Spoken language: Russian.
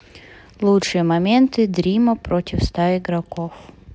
лучшие моменты дрима против ста игроков